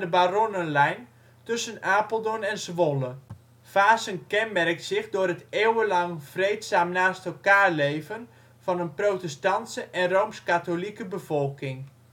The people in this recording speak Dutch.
Baronnenlijn tussen Apeldoorn en Zwolle. Vaassen kenmerkt zich door het eeuwenlang vreedzaam naast elkaar leven van een protestantse en rooms-katholieke bevolking